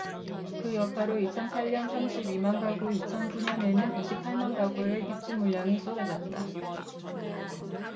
그 여파로 이천 팔 년에 삼십 이 만가구 이천 구 년에는 이십 팔 만가구의 입주물량이 쏟아졌다